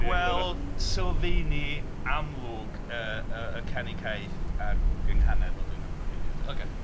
Gweld sylfaeni amlwg y... y... y canu caeth a'r gynghanedd fel dan ni'n nabod nhw heddiw 'de.